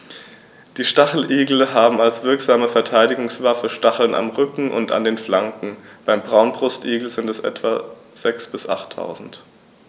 Die Stacheligel haben als wirksame Verteidigungswaffe Stacheln am Rücken und an den Flanken (beim Braunbrustigel sind es etwa sechs- bis achttausend).